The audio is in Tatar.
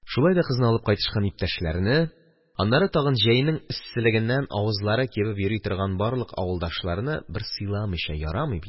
Шулай да кызны алып кайтышкан иптәшләрне, аннары тагын җәйнең эсселегеннән авызлары кибеп йөри торган барлык авылдашларны бер сыйламыйча ярамый бит.